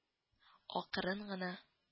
Акрын гына